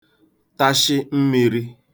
tashị mmīrī